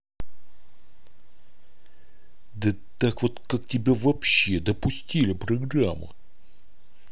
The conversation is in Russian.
вот так вот как тебя вообще допустили программу